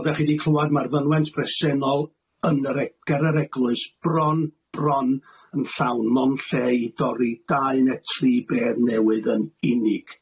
Fel dach chi di clwad ma'r fynwent bresennol yn yr eg- ger yr eglwys bron bron yn llawn mond lle i dorri dau ne tri bedd newydd yn unig